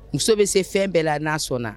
Muso bɛ se fɛn bɛɛ la n na sɔnna na